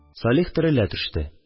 Салих терелә төште